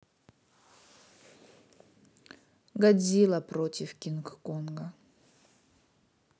годзилла против кинг конга